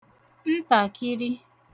ntàkịrị